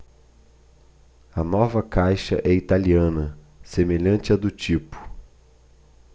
a nova caixa é italiana semelhante à do tipo